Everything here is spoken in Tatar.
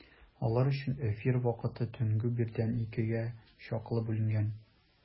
Алар өчен эфир вакыты төнге бердән икегә чаклы бүленгән.